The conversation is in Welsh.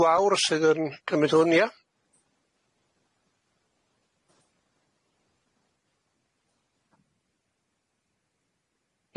Gwawr sydd yn cymyd hwn ia?